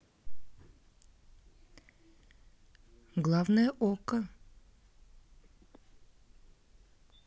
главное okko